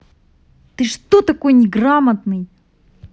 ты что такой неграмотный